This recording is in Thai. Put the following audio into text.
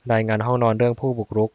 รายงานห้องนอนเรื่องผู้บุกรุก